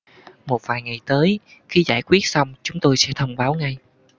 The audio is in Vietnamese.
một vài ngày tới khi giải quyết xong chúng tôi sẽ thông báo ngay